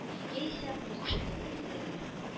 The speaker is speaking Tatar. Яисә ук шикелле тезләләр